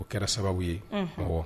O kɛra sababu ye mɔgɔ